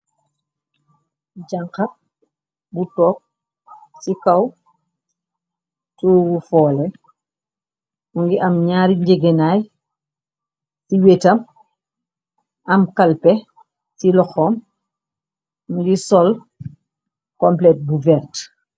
Janxak bu toog ci kaw tuowu foole bungi am ñaari njegenaay ci wéetam am kalpé ci loxoom niri sol compelet bu verte.